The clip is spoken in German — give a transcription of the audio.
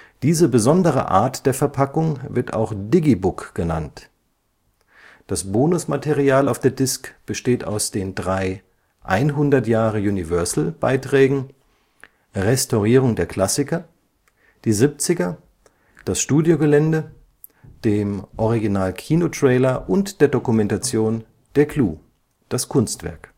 Diese besondere Art der Verpackung wird auch Digibook genannt. Das Bonusmaterial auf der Disc besteht aus den drei „ 100 Jahre Universal “- Beiträgen „ Restaurierung der Klassiker “,„ Die 70er “,„ Das Studiogelände “, dem Original-Kinotrailer und der Dokumentation „ Der Clou – Das Kunstwerk